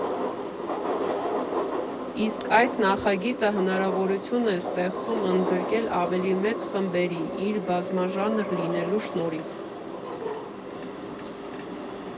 Իսկ այս նախագիծը հնարավորություն է ստեղծում ընդգրկել ավելի մեծ խմբերի իր բազմաժանր լինելու շնորհիվ։